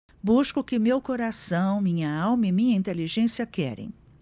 busco o que meu coração minha alma e minha inteligência querem